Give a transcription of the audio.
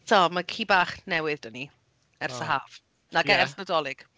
So mae ci bach newydd 'da ni ers... o. ...y haf. Nage... ie? ...ers Nadolig.